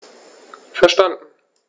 Verstanden.